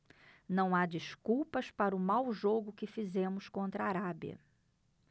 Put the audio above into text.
não há desculpas para o mau jogo que fizemos contra a arábia